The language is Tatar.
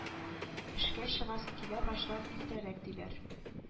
Эшкә чыгасы килә врачлар иртәрәк диләр